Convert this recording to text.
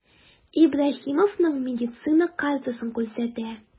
Ибраһимовның медицина картасын күрсәтә.